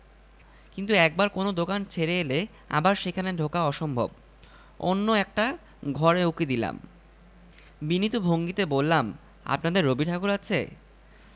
কিছুক্ষণের মধ্যেই আমাদের ঘিরে ছোটখাট একটা ভিড় জমে উঠল দৃশ্যটি অদ্ভুত চরিটি ছোট ছোট মেয়ে আইসক্রিম হাতে দাড়িয়ে আছে এবং একজন বয়স্ক লোক